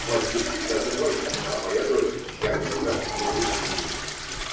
платил всегда за двоих, а моя доля тщательно записывалась в книжечку.